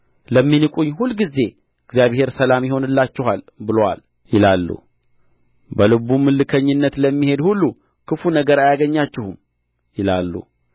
ለሚንቁኝ ሁልጊዜ እግዚአብሔር ሰላም ይሆንላችኋል ብሎአል ይላሉ በልቡም እልከኝነት ለሚሄድ ሁሉ ክፉ ነገር አያገኛችሁም ይላሉ